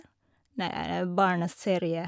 Nei, er det barneserie.